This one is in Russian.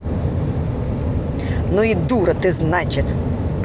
ну и дура ты значит